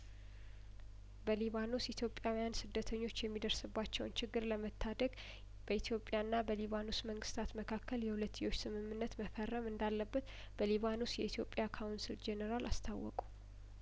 በሊባኖስ ኢትዮጵያውያን ስደተኞች የሚደርስ ባቸውን ችግር ለመታደግ በኢትዮጵያ ና በሊባኖስ መንግስታት መካከል የሁለትዮሽ ስምምነት መፈረም እንዳለበት በሊባኖስ የኢትዮጵያ ካውንስል ጄኔራል አስታወቁ